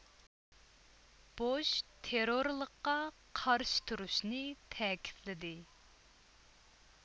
بوش تېررورلۇققا قارشى تۇرۇشنى تەكىتلىدى